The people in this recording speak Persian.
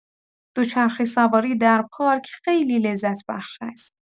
دوچرخه‌سواری در پارک خیلی لذت‌بخش است.